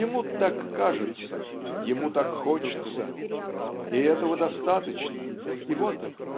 Ему так кажется, ему так хочется и этого достаточно и вот